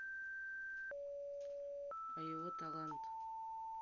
а его талант